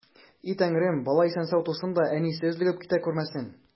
И Тәңрем, бала исән-сау тусын да, әнисе өзлегеп китә күрмәсен!